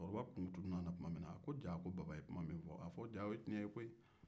cɛkɔrɔba kun tununna a la tuma min na a ko jaa baba ye kuma min fɔ o ye tiɲɛ ye koyi